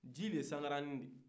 ji de ye sankaranin ye